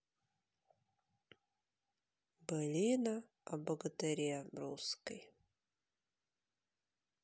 былина о богатыре русской